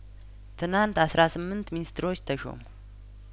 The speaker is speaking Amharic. ትናንት አስራ ስምንት ሚኒስትሮች ተሾሙ